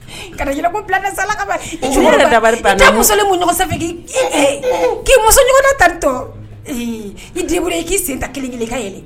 Kana yɛlɛko bila n na sa Ala kama. Ne yɛrɛ dabali banna o I da mɔsɔnnen bɔ ɲɔgɔn sanfɛ, k'i k'i mɔsɔn ɲɔgɔn na tan tɔ. Ɛɛ, i débrouillé , i k'i sen ta kelenkelen, i ka yɛlɛ